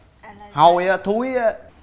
hôi á thúi á